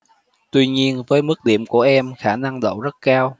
tuy nhiên với mức điểm của em khả năng đỗ rất cao